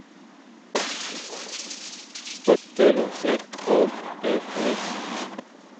Potteroser og eføy.